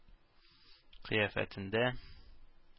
Кыяфәтендә